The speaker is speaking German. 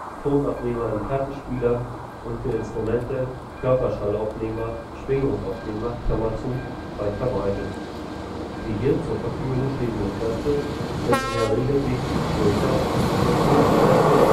Tonabnehmer in Plattenspielern und für Instrumente, Körperschallaufnehmer, Schwingungsaufnehmer) weit verbreitet. Die hier zur Verfügung stehenden Kräfte sind in der Regel wesentlich größer und führen zu besseren